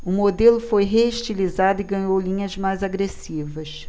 o modelo foi reestilizado e ganhou linhas mais agressivas